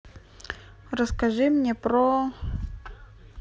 расскажи мне про